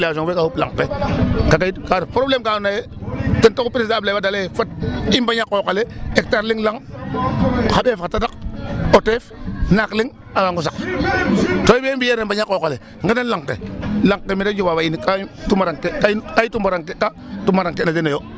Population fe ka nqup lanq ke kaqga yit ka ref problème ka andoona yee ten taxu président Abdoulaye Wade a laye fat i mbaƴa qooxaa le hectare leŋ lanq xa ɓeef xa tadaq o teef naak leŋ a waagang o saq to bo mbi'eerna mbaña qoox ale nqendan lanq ke lanq ke me da jofaa fo in ka i tumurankeka tumuranke na den oyo.